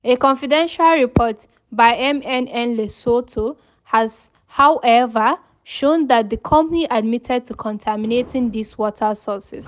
A confidential report by MNN Lesotho has, however, shown that the company admitted to contaminating these water sources.